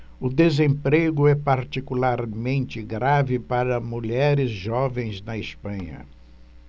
o desemprego é particularmente grave para mulheres jovens na espanha